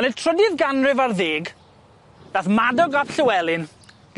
Yn y trydydd ganrif ar ddeg, nath Madog ap Llywelyn